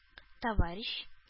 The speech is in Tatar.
Товарищ